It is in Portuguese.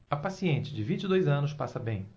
a paciente de vinte e dois anos passa bem